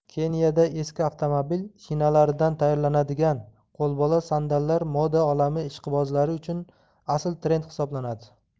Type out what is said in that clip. keniyada eski avtomobil shinalaridan tayyorlanadigan qo'lbola sandallar moda olami ishqibozlari uchun asl trend hisoblanadi